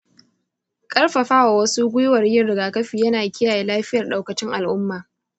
karfafa wa wasu gwiwar yin rigakafi yana kiyaye lafiyar daukacin al'umma.